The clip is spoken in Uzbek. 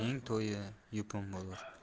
boyning to'yi yupun bo'lar